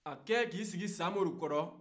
a kɛlen k'a sigi samori kɔrɔ